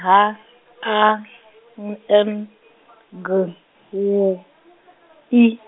H A mu N G W, I.